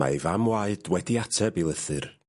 Mae ei fam waed wedi ateb 'i lythyr.